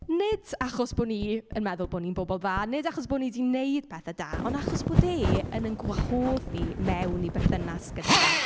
Nid achos bo' ni yn meddwl bo' ni'n bobl dda. Nid achos bo' ni 'di wneud pethe da. Ond achos bod e yn ein gwahodd ni mewn i berthynas gyda fe.